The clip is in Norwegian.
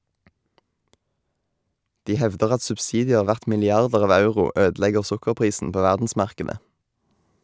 De hevder at subsidier verdt milliarder av euro ødelegger sukkerprisen på verdensmarkedet.